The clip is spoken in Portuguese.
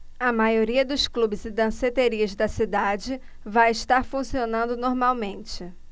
a maioria dos clubes e danceterias da cidade vai estar funcionando normalmente